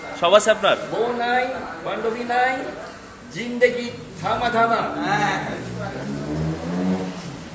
সব আছে আপনার বউ নাই বান্ধবী নাই জিন্দেগী থামা থামা